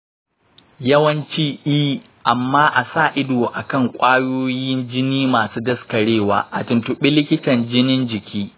yawanci eh, amma a sa ido kan ƙwayoyin jini masu daskarewa. a tuntubi likitan jinin jiki.